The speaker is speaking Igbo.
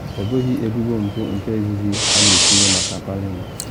Ọ bụghị ebubo mpụ nke izizi a na etinye maka Palin.